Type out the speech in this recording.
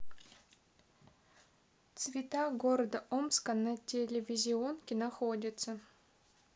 цвета города омска на телевизионке находится